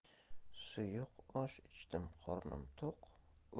suyuq osh ichdim qornim to'q